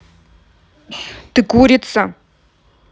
ты курица